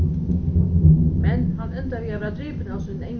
men hann endar við at verða dripin av sínum egnu